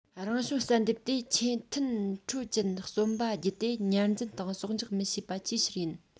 རང བྱུང བསལ འདེམས ཏེ ཆེས མཐུན འཕྲོད ཅན གསོན པ བརྒྱུད དེ ཉར འཛིན དང གསོག འཇོག མི བྱེད པ ཅིའི ཕྱིར ཡིན